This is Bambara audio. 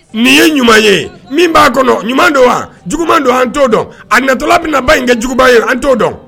Nin ye ɲuman ye min b'a kɔnɔ ɲuman don jugu don an to dɔn a natɔla bɛ naba in kɛ juguba ye an t'o dɔn